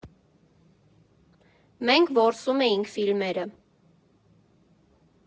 Մենք որսում էինք ֆիլմերը։